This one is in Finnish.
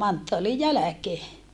manttaalin jälkeen